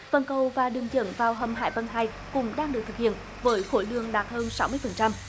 phần cầu và đường dẫn vào hầm hải vân hai cùng đang được thực hiện với khối lượng đạt hơn sáu mươi phần trăm